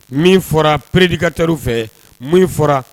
Min fɔra preducateurs fɛ mun fɔra